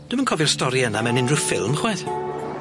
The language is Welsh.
Dwi'm yn cofio'r stori yna mewn unryw ffilm chwaith!